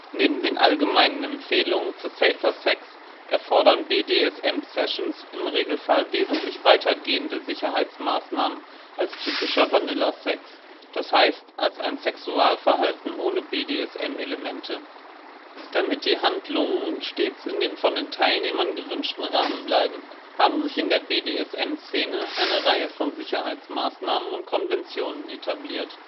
Neben den allgemeinen Empfehlungen für Safer Sex erfordern BDSM-Sessions im Regelfall wesentlich weitergehende Sicherheitsmaßnahmen als typischer Vanilla-Sex, d. h. als ein Sexualverhalten ohne BDSM-Elemente. Damit die Handlungen stets in dem von den Teilnehmern gewünschten Rahmen bleiben, haben sich in der BDSM-Szene eine Reihe von Sicherheitsmaßnahmen und - konventionen etabliert